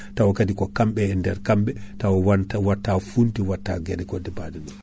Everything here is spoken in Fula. tawa kaadi ko kamɓe e nder kamɓe taw wont watta funti watta gueɗe goɗɗo baɗe non